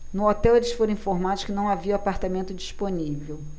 no hotel eles foram informados que não havia apartamento disponível